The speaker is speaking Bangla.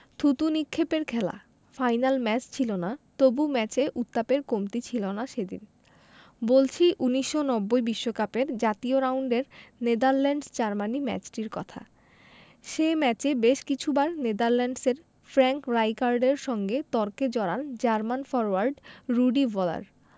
থুতু নিক্ষেপের খেলা ফাইনাল ম্যাচ ছিল না তবু ম্যাচে উত্তাপের কমতি ছিল না সেদিন বলছি ১৯৯০ বিশ্বকাপের জাতীয় রাউন্ডের নেদারল্যান্ডস জার্মানি ম্যাচটির কথা সে ম্যাচে বেশ কিছুবার নেদারল্যান্ডসের ফ্র্যাঙ্ক রাইকার্ডের সঙ্গে তর্কে জড়ান জার্মান ফরোয়ার্ড রুডি ভলার